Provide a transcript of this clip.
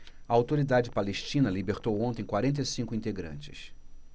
a autoridade palestina libertou ontem quarenta e cinco integrantes